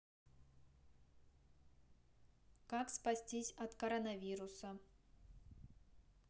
как спастись от коронавируса